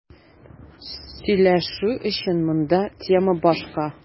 Сөйләшү өчен монда тема башка.